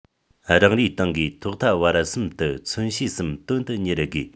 རང རེའི ཏང གིས ཐོག མཐའ བར གསུམ དུ མཚོན བྱེད གསུམ དོན དུ གཉེར དགོས